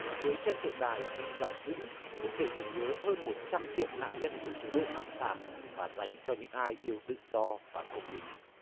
dưới chân tượng đài ghi dòng chữ để tưởng nhớ hơn một trăm triệu nạn nhân của chế độ cộng sản và dành cho những ai yêu tự do và công lý